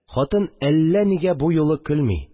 Хатын әллә нигә бу юлы көлми